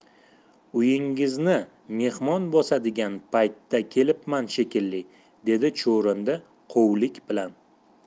uyingizni mehmon bosadigan paytda kelibman shekilli dedi chuvrindi quvlik bilan